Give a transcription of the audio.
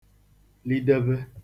lidebe